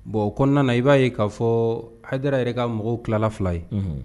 Bon kɔnɔna na i b'a ye k'a fɔ hara yɛrɛ ka mɔgɔw tilala fila ye